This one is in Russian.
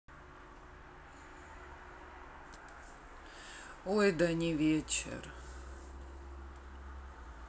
ой да не вечер